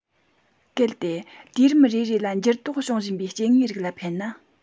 གལ ཏེ དུས རིམ རེ རེ ལ འགྱུར ལྡོག བྱུང བཞིན པའི སྐྱེ དངོས རིགས ལ ཕན ན